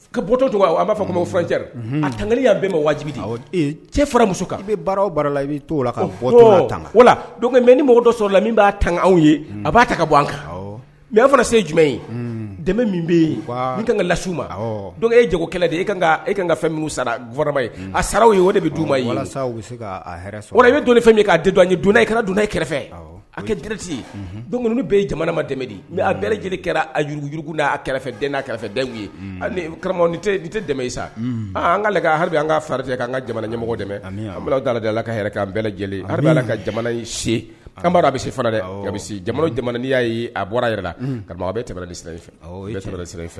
Ka bɔto tɔgɔ a b'a fɔ kocɛri a tan kelen y'a bɛn ma wajibi cɛ fara muso kan baara la i bɛ o la mɛ ni mɔgɔ dɔ sɔrɔ la min b'a tan aw ye a b'a ta ka bɔ an kan mɛ' fana se jumɛn ye dɛ min bɛ yen n ka ka lassiw ma dɔgɔ e jɔ kɛlɛ de e kan ka fɛn min sarama ye a sara ye o de bɛ du yeɛrɛ bɛ don fɛn k'a an ye dunan i kɛra dunan e kɛrɛfɛ a kɛ dɛrɛti don bɛ ye jamana ma dɛmɛ di mɛ a bɛɛ lajɛlen kɛra a juruurugujurugu'a kɛrɛfɛ n' kɛrɛfɛ ye kara tɛ sa ka an ka fara' an ka jamana ɲɛmɔgɔ dɛmɛ an dadala ka lajɛlenla ka jamana sen bɛ se fara dɛ jamanai'a ye a bɔra yɛrɛ la ka a bɛ tɛmɛɛrɛ de siran fɛɛrɛ siranfɛ fɛ